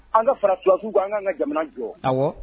An ka farawafin an'an ka jamana jɔ aw